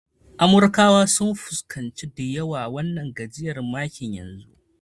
Amurkawa sun fuskanci da yawa wannan gajiyawar makin yanzu.